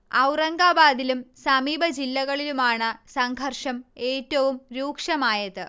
ഔറംഗാബാദിലും സമീപ ജില്ലകളിലുമാണ് സംഘർഷം ഏറ്റവും രൂക്ഷമായത്